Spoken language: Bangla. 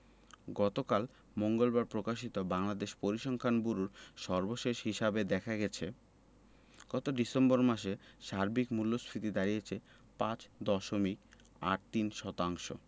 গতকাল মঙ্গলবার প্রকাশিত বাংলাদেশ পরিসংখ্যান ব্যুরোর সর্বশেষ হিসাবে দেখা গেছে গত ডিসেম্বর মাসে সার্বিক মূল্যস্ফীতি দাঁড়িয়েছে ৫ দশমিক ৮৩ শতাংশ